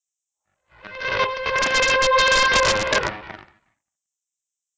music